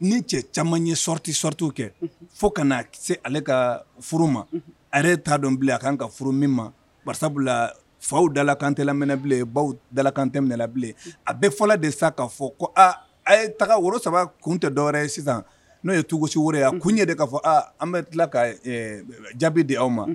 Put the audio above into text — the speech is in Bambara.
ni cɛ caman ye sɔɔriti stu kɛ fo ka se ale ka furu ma ale t'a dɔn bila a kan ka furu min ma walasa sabula faw dala kantɛ laminɛ bilen baw dala kantɛla bilen a bɛ fɔlɔ de sa k kaa fɔ ko aaa a ye taga woro saba kun tɛ dɔwɛrɛ ye sisan n'o ye tugosi wɛrɛ a kun n ye de k'a fɔ an bɛ tila ka jaabi di aw ma